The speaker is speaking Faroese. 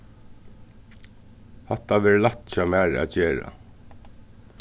hatta verður lætt hjá mær at gera